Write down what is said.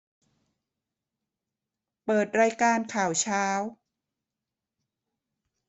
เปิดรายการข่าวเช้า